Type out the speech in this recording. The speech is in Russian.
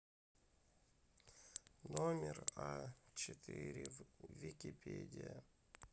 номер а четыре википедия